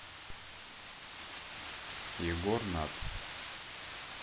егор натс